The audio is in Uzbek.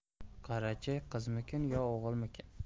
qara chi qizmikin yo o'g'ilmikin